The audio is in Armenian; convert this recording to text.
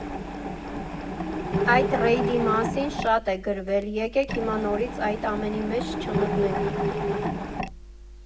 Այդ ռեյդի մասին շատ է գրվել, եկե՛ք հիմա նորից այդ ամենի մեջ չմտնենք։